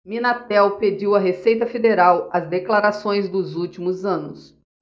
minatel pediu à receita federal as declarações dos últimos anos